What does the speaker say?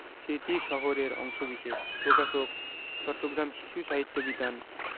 স্মৃতির শহর এর অংশবিশেষ প্রকাশক চট্টগ্রাম শিশু সাহিত্য বিতান